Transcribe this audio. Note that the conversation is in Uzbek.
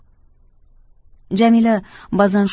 jamila ba'zan